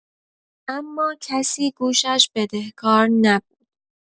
اما کسی گوشش بدهکار نبود.